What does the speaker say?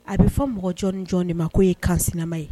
A bɛ fɔ mɔgɔ jɔn jɔn de ma'o ye kanma ye